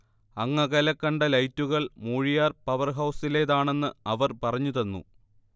അങ്ങകലെ കണ്ട ലൈറ്റുകൾ മൂഴിയാർ പവർഹൗസിലേതാണെന്ന് അവർ പറഞ്ഞു തന്നു